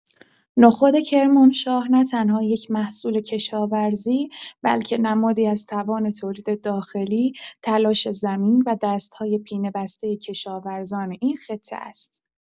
نخود کرمانشاه نه‌تنها یک محصول کشاورزی، بلکه نمادی از توان تولید داخلی، تلاش زمین و دست‌های پینه‌بسته کشاورزان این خطه است.